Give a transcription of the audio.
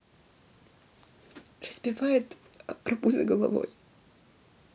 разбивает арбузы головой